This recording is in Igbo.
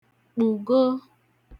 kpụ̀go